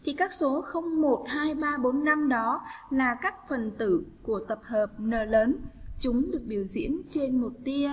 chỉ các số đó là các phần tử của tập hợp n lớn chúng được biểu diễn trên một tia